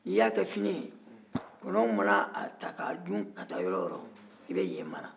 n'i y'a kɛ fini ye kɔnɔw man'a ta k'a dun i bɛ yen mara